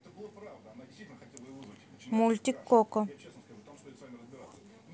мультик коко